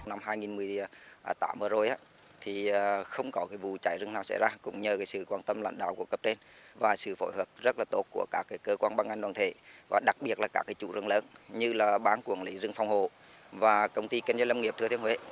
năm hai nghìn mười tám vừa rồi á thì không có cái vụ cháy rừng nào xảy ra cũng nhờ cái sự quan tâm lãnh đạo của cấp trên và sự phối hợp rất là tốt của các cái cơ quan ban ngành đoàn thể và đặc biệt là các chủ rừng lớn như là ban quản lý rừng phòng hộ và công ty kinh doanh lâm nghiệp thừa thiên huế